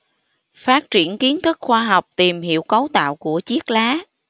phát triển kiến thức khoa học tìm hiểu cấu tạo của chiếc lá